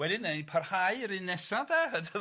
Wedyn nawn ni parhau i'r un nesa 'de.